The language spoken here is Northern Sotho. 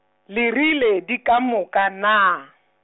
le rile di ka moka Nna?